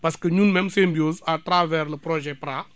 parce que ñun même Symbiose à travers le projet PRA